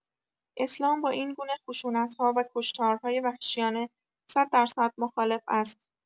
اسلام با این‌گونه خشونت‌ها و کشتارهای وحشیانه صددرصد مخالف است.